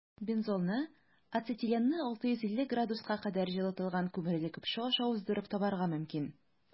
Бензолны ацетиленны 650 С кадәр җылытылган күмерле көпшә аша уздырып табарга мөмкин.